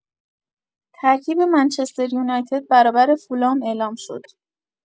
ترکیب منچستریونایتد برابر فولام اعلام شد.